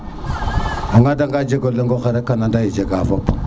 a ganda nga njego lengo xe rek a nana ye jega fop